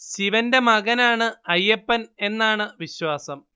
ശിവന്റെ മകനാണ് അയ്യപ്പൻ എന്നാണ് വിശ്വാസം